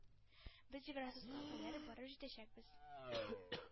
Без Евросудка кадәр барып җитәчәкбез.